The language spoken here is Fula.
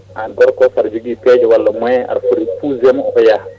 an gorko o saɗa jogui peeje walla moyen aɗa footi touche demo o yaaka